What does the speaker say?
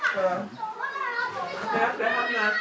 waaw ok ok xam naa